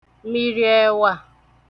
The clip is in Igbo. mìrìèwà